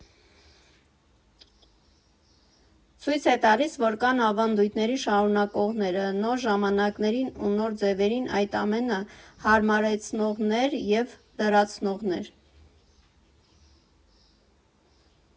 Ցույց է տալիս, որ կան ավանդույթների շարունակողները, նոր ժամանակներին ու նոր ձևերին այդ ամենը հարմարեցնողներ և լրացնողներ։